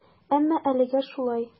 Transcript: Әмма әлегә шулай.